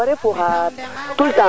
nani ro fo wa gama